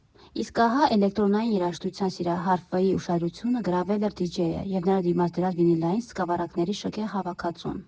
Իսկ ահա էլեկտրոնային երաժշտության սիրահար Ֆ֊ի ուշադրությունը գրավել էր դիջեյը և նրա դիմաց դրած վինիլային սկավառակների շքեղ հավաքածուն։